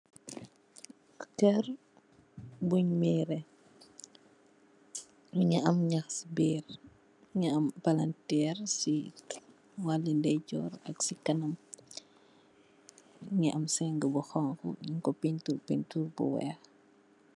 Kër bun mirè mungi am nëh ci birr, mungi am palanteer ci walè ndejor ak ci kanam. Mungi am sèngg bu honku nung ko pentirr - pentirr bu weeh.